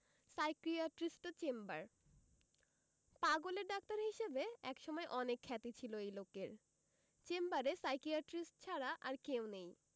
সাইকিয়াট্রিস্টের chamber পাগলের doctor হিসেবে একসময় অনেক খ্যাতি ছিল এই লোকের চেম্বারে সাইকিয়াট্রিস্ট ছাড়া আর কেউ নেই